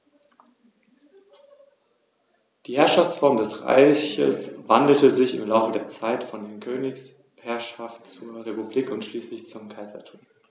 Rom wurde damit zur ‚De-Facto-Vormacht‘ im östlichen Mittelmeerraum.